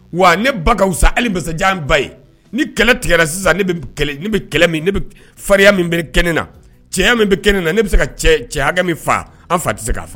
Wa ne ba ka sa masajan ba ye ni kɛlɛ tigɛ sisan ne bɛ kɛlɛ ne bɛ faya min bɛ kɛ ne na cɛ min bɛ kɛ ne na ne bɛ se ka cɛ min faa an fa tɛ se k'a